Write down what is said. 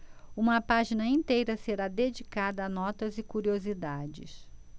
uma página inteira será dedicada a notas e curiosidades